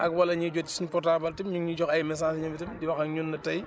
ak wala ñu jot si suénu portable tam ñu ngi ñuy jox ay messages yéen itam di wax ak ñun ne tey